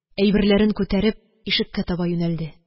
Әйберләрен күтәреп, ишеккә таба юнәлде.